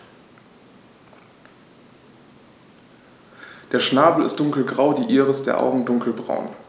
Der Schnabel ist dunkelgrau, die Iris der Augen dunkelbraun.